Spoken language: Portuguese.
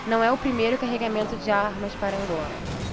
não é o primeiro carregamento de armas para angola